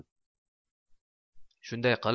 shunday qil